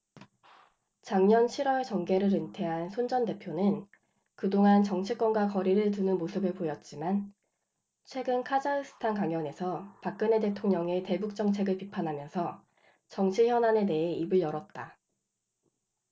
작년 칠 월 정계를 은퇴한 손 전 대표는 그동안 정치권과 거리를 두는 모습을 보였지만 최근 카자흐스탄 강연에서 박근혜 대통령의 대북정책을 비판하면서 정치현안에 대해 입을 열었다